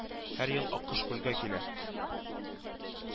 Һәр ел аккош күлгә килә